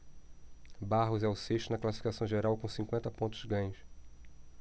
barros é o sexto na classificação geral com cinquenta pontos ganhos